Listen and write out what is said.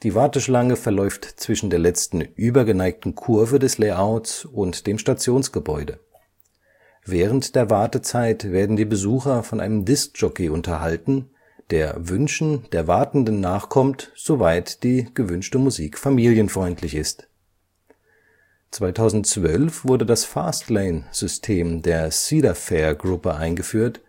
Warteschlange verläuft zwischen der letzten übergeneigten Kurve des Layouts und dem Stationsgebäude. Während der Wartezeit werden die Besucher von einem Diskjockey unterhalten, der Wünschen der Wartenden nachkommt, soweit die gewünschte Musik familienfreundlich ist. 2012 wurde das Fast-Lane-System der Cedar-Fair-Gruppe eingeführt